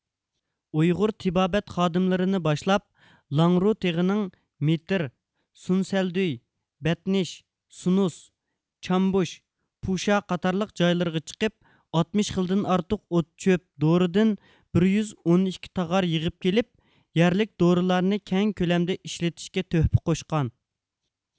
ئۇيغۇر تېبابەت خادىملىرىنى باشلاپ لاڭرۇ تېغىنىڭ مېتىر سۇنسەلدۈي بەتنىش سۇنۇس چامبۇش پۇشا قاتارلىق جايلىرىغا چىقىپ ئاتمىش خىلدىن ئارتۇق ئوت چۆپ دورىدىن بىر يۈز ئون ئىككى تاغار يىغىپ كېلىپ يەرلىك دورىلارنى كەڭ كۆلەمدە ئىشلىتىشكە تۆھپە قوشقان